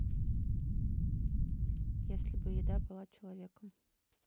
если бы еда была человеком